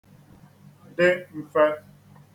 dị mfē